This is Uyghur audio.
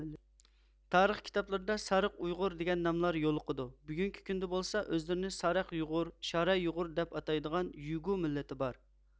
تارىخ كىتابلىرىدا سارىخ ئۇيغۇر دېگەن ناملار يولۇقىدۇ بۈگۈنكى كۈندە بولسا ئۆزلىرىنى سارەغ يۇغۇر شارا يۇغۇر دەپ ئاتايدىغان يۈگۇ مىللىتى بار